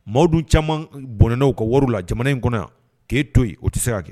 Maaw dun caman bɔnnaw ka woro la jamana in kɔnɔ k'e to yen o tɛ se ka kɛ